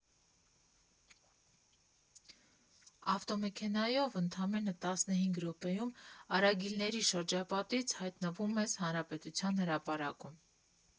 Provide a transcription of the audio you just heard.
Ավտոմեքենայով ընդամենը տասնհինգ րոպեում արագիլների շրջապատից հայտնվում ես Հանրապետության հրապարակում։